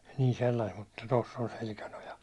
niin sellaista mutta tuossa on selkänoja